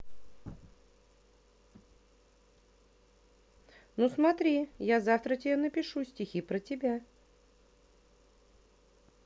ну смотри я завтра тебе напишу стихи про тебя